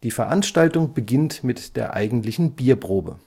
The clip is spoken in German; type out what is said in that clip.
Veranstaltung beginnt mit der eigentlichen Bierprobe